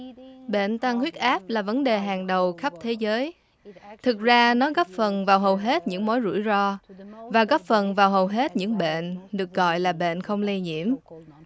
bệnh tăng huyết áp là vấn đề hàng đầu khắp thế giới thực ra nó góp phần vào hầu hết những mối rủi ro và góp phần vào hầu hết những bệnh được gọi là bệnh không lây nhiễm